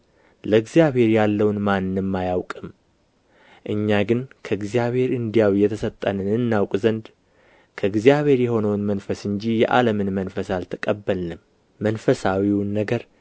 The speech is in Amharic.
ለእግዚአብሔር ያለውን ማንም አያውቅም እኛ ግን ከእግዚአብሔር እንዲያው የተሰጠንን እናውቅ ዘንድ ከእግዚአብሔር የሆነውን መንፈስ እንጂ የዓለምን መንፈስ አልተቀበልንም መንፈሳዊውን ነገር